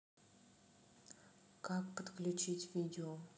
как подключить видео